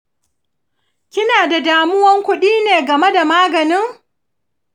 kina da damuwan kuɗi ne game da maganin?